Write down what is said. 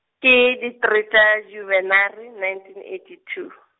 ke di three tša Jubenare, nineteen eighty two.